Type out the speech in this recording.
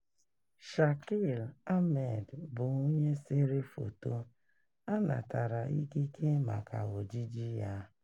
Shakil Ahmed bụ onye sere foto, a natara ikike maka ojiji ya.